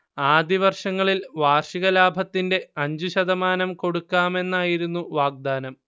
ആദ്യവർഷങ്ങളിൽ വാർഷിക ലാഭത്തിന്റെ അഞ്ചു ശതമാനം കൊടുക്കാമെന്നായിരുന്നു വാഗ്ദാനം